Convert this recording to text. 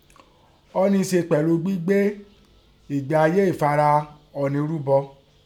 Ọ́ nẹ́ í se pẹ̀lú gbígbé ẹ̀gbé ayé ẹ̀fara ọ̀ni rúbọ.